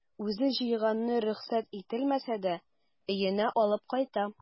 Үзе җыйганны рөхсәт ителмәсә дә өенә алып кайта.